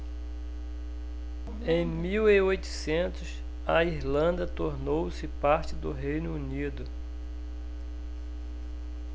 em mil e oitocentos a irlanda tornou-se parte do reino unido